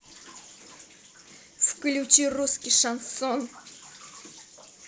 включи русский шансон